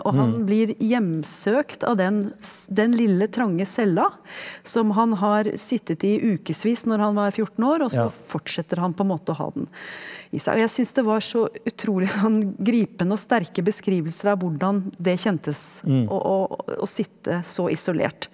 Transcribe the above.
og han blir hjemsøkt av den den lille, trange cella som han har sittet i i ukesvis når han var 14 år, og så fortsetter han på en måte å ha den i seg, og jeg syns det var så utrolig sånn gripende og sterke beskrivelser av hvordan det kjentes og og sitte så isolert.